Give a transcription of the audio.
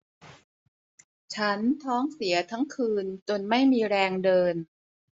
ฉันท้องเสียทั้งคืนจนไม่มีแรงเดิน